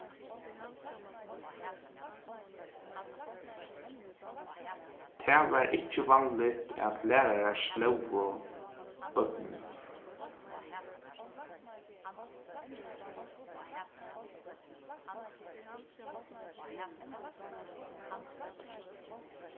tað var ikki vanligt at lærarar slógu børnini